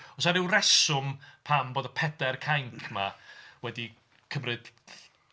Oes 'na ryw reswm pam bod y pedair cainc 'ma wedi cymryd...